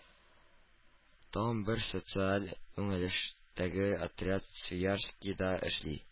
Тагын бер социаль юнәлештәге отряд Свияжскида эшли